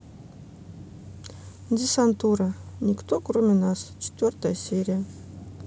десантура никто кроме нас четвертая серия